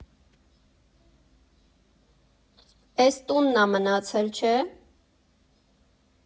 Էս տունն ա մնացել, չէ՞։